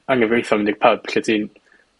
...angyfreithlon mynd i'r pub lle ti'n